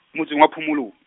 motseng wa Phomolong.